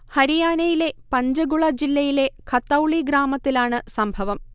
ഹരിയാനയിലെ പഞ്ചഗുള ജില്ലയിലെ ഖത്തൗളി ഗ്രാമത്തിലാണ് സംഭവം